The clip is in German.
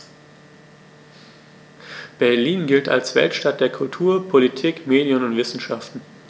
Berlin gilt als Weltstadt der Kultur, Politik, Medien und Wissenschaften.